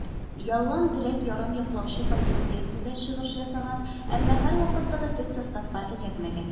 Ялланн терәк ярым яклаучы позициясендә чыгыш ясаган, әмма һәрвакытта да төп составка эләкмәгән.